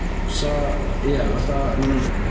So ia fatha ma' nhw'n...